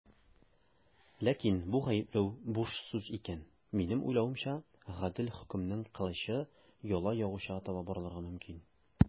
Ләкин бу гаепләү буш сүз икән, минем уйлавымча, гадел хөкемнең кылычы яла ягучыга таба борылырга мөмкин.